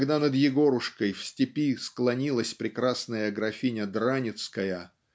когда над Егорушкой в "Степи" склонилась прекрасная графиня Драницкая